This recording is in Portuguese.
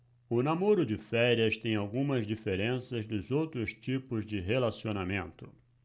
o namoro de férias tem algumas diferenças dos outros tipos de relacionamento